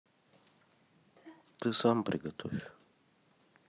ты сам приготовь